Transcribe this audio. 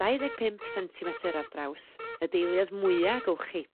dau ddeg pump sentimetyr ar draws y dahlias mwya gowch chi.